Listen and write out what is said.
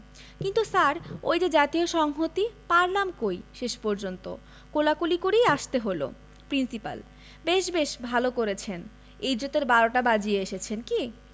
কিন্তু স্যার ওই যে জাতীয় সংহতি পারলাম কই শেষ পর্যন্ত কোলাকুলি করেই আসতে হলো প্রিন্সিপাল বেশ বেশ ভালো করেছেন ইজ্জতের বারোটা বাজিয়ে এসেছেন কি